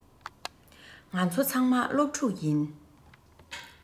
ང ཚོ ཚང མ སློབ ཕྲུག ཡིན